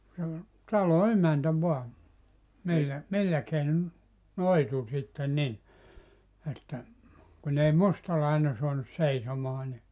se oli talon emäntä vaan millä millä keinoin noitui sitten niin että kun ei mustalainen saanut seisomaan niin